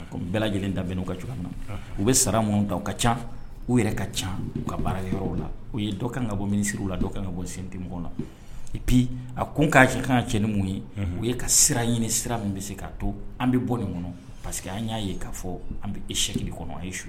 Ko n bɛɛ lajɛlen da bɛn'u ka cogoya min na u bɛ sara minnu ta u ka ca u yɛrɛ ka ca ka baara yɔrɔ la u ye dɔ kan ka bɔ minisiri u la dɔw ka bɔ sinti kɔnɔ napi a ko n k'afi kan ka cɛ ni mun ye u ye ka sira ɲini sira min bɛ se k ka to an bɛ bɔ nin kɔnɔ pa que an y'a ye k'a fɔ an bɛ e sɛ kɔnɔ a ye su